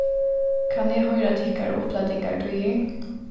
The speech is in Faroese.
kann eg hoyra tykkara upplatingartíðir